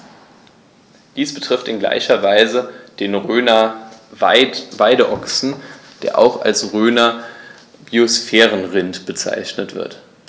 Dies betrifft in gleicher Weise den Rhöner Weideochsen, der auch als Rhöner Biosphärenrind bezeichnet wird.